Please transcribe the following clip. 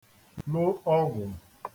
lụ ọgwụ̀